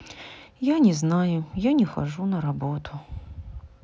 я знаю я не хожу на работу